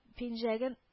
Пинжәген